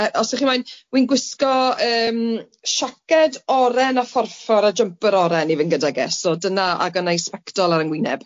Yy os 'y chi moyn, wi'n gwisgo yym siaced oren a phorffor a jwmper oren i fynd gydag e, so dyna a gynna i sbectol ar 'y ngwyneb.